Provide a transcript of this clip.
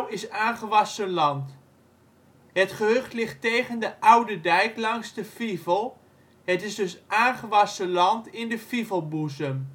is aangewassen land. Het gehucht ligt tegen de oude dijk langs de Fivel, het is dus aangewassen land in de Fivelboezem